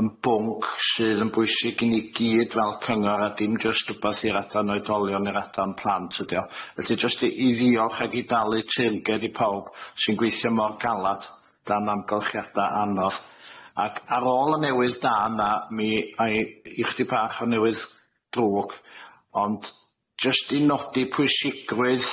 yn bwnc sydd yn bwysig i ni gyd fel cyngor a dim jyst 'wbath i'r Adran Oedolion a'r Adran Plant ydi o. Felly jyst i i ddiolch ag i dalu teyrnged i pawb sy'n gweithio mor galad dan amgylchiada anodd ac ar ôl y newydd da yna mi a'i i chdig bach o newydd drwg ond jyst i nodi pwysigrwydd